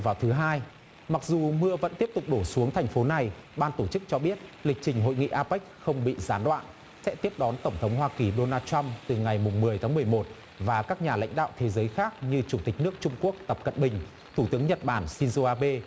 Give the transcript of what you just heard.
vào thứ hai mặc dù mưa vẫn tiếp tục đổ xuống thành phố này ban tổ chức cho biết lịch trình hội nghị a pếch không bị gián đoạn sẽ tiếp đón tổng thống hoa kỳ đô nan trăm từ ngày mùng mười tháng mười một và các nhà lãnh đạo thế giới khác như chủ tịch nước trung quốc tập cận bình thủ tướng nhật bản sin dô a bê